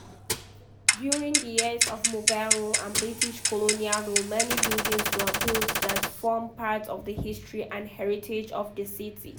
During the years of Mughal rule and British colonial rule, many buildings were built that form part of the history and heritage of the city.